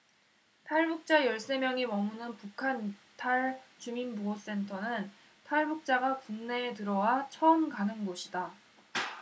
탈북자 열 세 명이 머무는 북한이탈주민보호센터는 탈북자가 국내에 들어와 처음 가는 곳이다